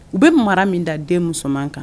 U be mara min da den musoman kan